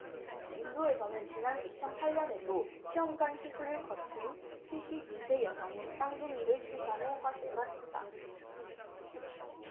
인도에서는 지난 이천 팔 년에도 시험관시술을 거친 칠십 이 세 여성이 쌍둥이를 출산해 화제가 됐다